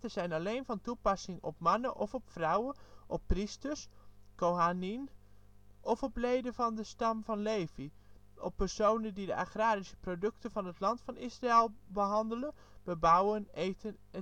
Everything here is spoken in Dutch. zijn alleen van toepassing op mannen of op vrouwen, op priesters (kohaniem) of op leden van de stam van Levi, op personen die de agrarische producten van het Land van Israël behandelen (bebouwen, eten